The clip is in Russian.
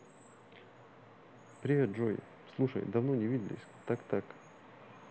привет джой слушай давно не виделись так так